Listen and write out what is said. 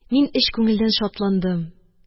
Мин эч күңелдән шатландым